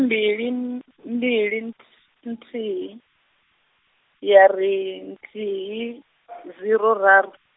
mbili, m- mbili, nt- nthihi, ya ri, nthihi, ziro raru .